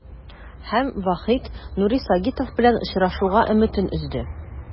Һәм Вахит Нури Сагитов белән очрашуга өметен өзде.